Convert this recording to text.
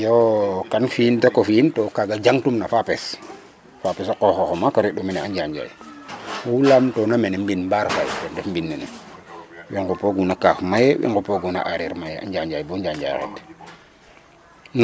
Iyoo kan fi'in dak o fi'in to kaaga jangtum na fapes fapes o qooxox o maak a reɗ'u mene a Njanjaay oxu lamtoona mene mbind mbaar Fay ten ref mbind ne ne we nqupooguna kaaf mayee we nqupooguna aareer mayew bo Njanjay a xet.